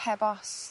Heb os.